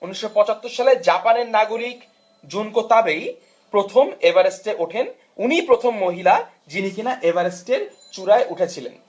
975 সালে জাপানের নাগরিক জুনকো তাবেই প্রথম এভারেস্টে ওঠার উনি প্রথম মহিলা যিনি কিনা এভারেস্টের চূড়ায় উঠেছিলেন